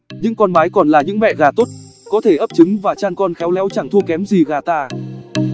ngoài ra những con mái còn là những mẹ gà tốt có thể ấp trứng và chăn con khéo léo chẳng thua kém gì gà ta